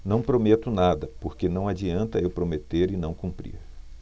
não prometo nada porque não adianta eu prometer e não cumprir